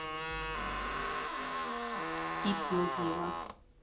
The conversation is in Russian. тнт мудила